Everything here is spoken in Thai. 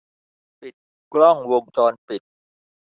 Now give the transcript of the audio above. ปิดกล้องวงจรปิด